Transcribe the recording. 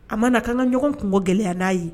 A ma na kan ka ɲɔgɔn kɔn gɛlɛyaya n'a ye